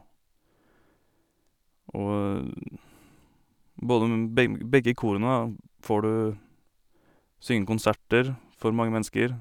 Og både m begg begge korene, da, får du synge konserter for mange mennesker.